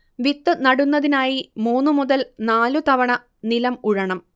വിത്ത് നടുന്നതിനായി മൂന്നു മുതൽ നാല് തവണ നിലം ഉഴണം